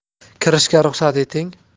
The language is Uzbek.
kirishga ruxsat eting